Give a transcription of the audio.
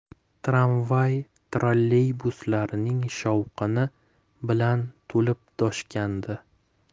tramvay trolleybuslarning shovqini bilan to'lib toshgandi